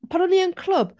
pan o'n i yn clwb...